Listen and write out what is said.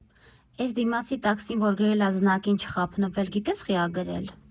Էս դիմացի տաքսին որ գրել ա «Զնակին չխաբնվել», գիտես խի՞ ա գրել։